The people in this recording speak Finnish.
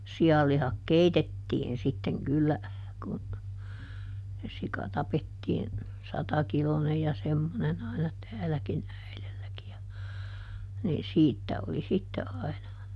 sianlihat keitettiin sitten kyllä kun se sika tapettiin satakiloinen ja semmoinen aina täälläkin äidilläkin ja niin siitä oli sitten aina